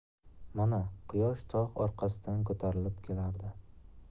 mana quyosh tog' orqasidan ko'tarilib kelardi